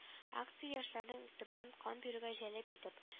Акция яшьләрнең игътибарын кан бирүгә җәлеп итеп